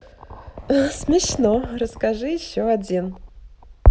смешно расскажи еще один